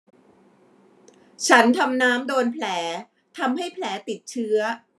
ฉันทำน้ำโดนแผลทำให้แผลติดเชื้อ